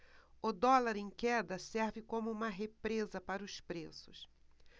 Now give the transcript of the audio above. o dólar em queda serve como uma represa para os preços